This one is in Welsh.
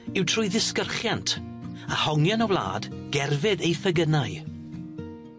yw trwy ddisgyrchiant a hongian y wlad gerfydd ei phegynau.